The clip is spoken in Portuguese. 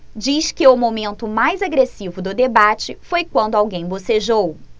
diz que o momento mais agressivo do debate foi quando alguém bocejou